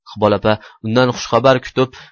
iqbol opa undan xushxabar kutib